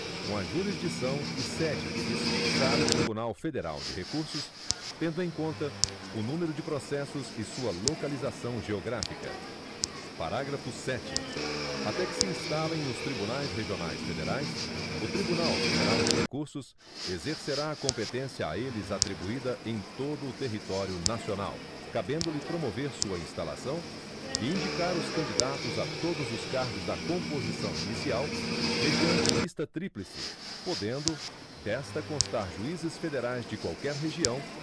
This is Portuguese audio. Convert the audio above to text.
com a jurisdição e sede que lhes fixar o tribunal federal de recursos tendo em conta o número de processos e sua localização geográfica parágrafo sete até que se instalem os tribunais regionais federais o tribunal federal de recursos exercerá a competência a eles atribuída em todo o território nacional cabendo lhe promover sua instalação e indicar os candidatos a todos os cargos da composição inicial mediante lista tríplice podendo desta constar juízes federais de qualquer região